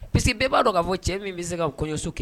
Parce que_ bɛɛ b'a dɔn k'a fɔ cɛ min bɛ se ka kɔɲɔnso kɛ